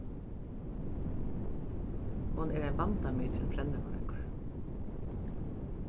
hon er ein vandamikil brennivargur